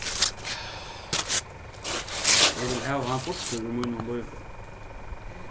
eg vil hava hann burtur úr mínum lívi